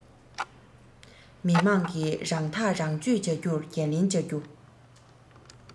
མི དམངས ཀྱིས རང ཐག རང གཅོད བྱ རྒྱུར འགན ལེན བྱ རྒྱུ